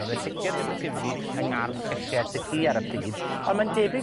Odd e sicir ddim yn tyfu yng ngardd llysie ty'cu ar y pryd. Ond ma'n debyg